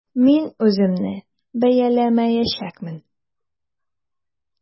Мин үземне бәяләмәячәкмен.